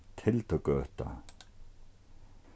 tildugøta